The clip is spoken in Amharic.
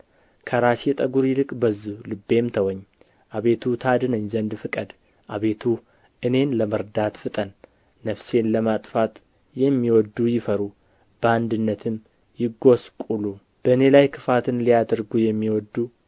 ከራሴ ጠጕር ይልቅ በዙ ልቤም ተወኝ አቤቱ ታድነኝ ዘንድ ፍቀድ አቤቱ እኔን ለመርዳት ፍጠን ነፍሴን ለማጥፋት የሚወድዱ ይፈሩ በአንድነትም ይጐስቍሉ በእኔ ላይ ክፋትን ሊያደርጉ የሚወድዱ